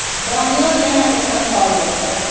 doniyor yana to'xtab qoldi